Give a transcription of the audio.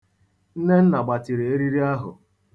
Nnenna gbatịrị eriri ahụ.